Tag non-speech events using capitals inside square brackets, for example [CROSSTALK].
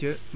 [HESITATION] [HESITATION]